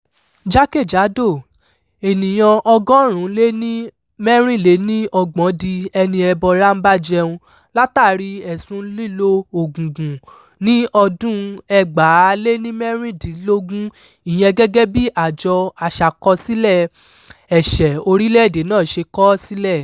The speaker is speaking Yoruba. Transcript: Jákèjádò, ènìyàn 134 di ẹni ẹbọra-ń-bá-jẹun látàrí èsùn-un lílo “ògùngùn” ní ọdún-un 2016, ìyẹn gẹ̀gẹ̀ bí Àjọ Aṣàkọsílẹ̀ Ẹ̀ṣẹ̀ Orílẹ̀-èdè náà ṣe kọ́ ọ sílẹ̀.